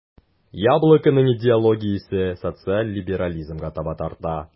"яблоко"ның идеологиясе социаль либерализмга таба тарта.